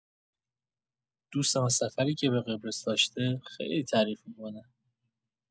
دوستم از سفری که به قبرس داشته خیلی تعریف می‌کنه.